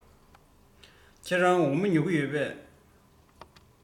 ཁྱེད རང འོ མ ཉོ གི ཡོད པས